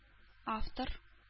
Автор